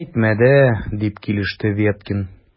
Әйтмә дә! - дип килеште Веткин.